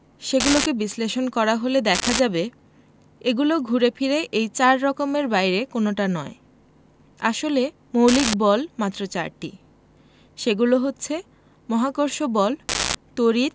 সেগুলোকে বিশ্লেষণ করা হলে দেখা যাবে এগুলো ঘুরে ফিরে এই চার রকমের বাইরে কোনোটা নয় আসলে মৌলিক বল মাত্র চারটি সেগুলো হচ্ছে মহাকর্ষ বল তড়িৎ